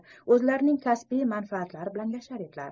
o'zlarining kasbiy manfaatlari bilan yashar edilar